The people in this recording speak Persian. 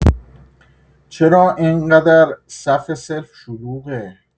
چرا اینقدر صف سلف شلوغه؟